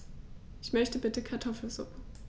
Ich möchte bitte Kartoffelsuppe.